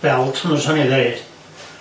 belt n'w 'swn i'n ddeud